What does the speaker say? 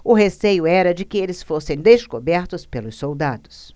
o receio era de que eles fossem descobertos pelos soldados